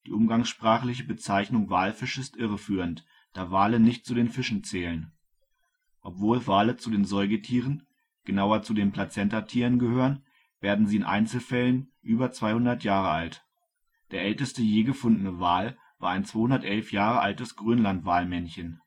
umgangssprachliche Bezeichnung Walfisch ist irreführend, da Wale nicht zu den Fischen zählen. Obwohl Wale zu den Säugetieren, genauer zu den Placentatieren, gehören, werden sie in Einzelfällen, beispielsweise die Grönlandwale, über 200 Jahre alt. Der älteste je gefundene Wal war ein 211 Jahre altes Grönlandwalmännchen